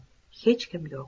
hech kim yo'q